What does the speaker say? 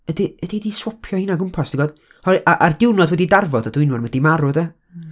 Ydy, ydy hi 'di swopio rheina o gwmpas, tibod? Oherwydd, "a'r diwrnod wedi darfod a Dwynwen wedi marw" de?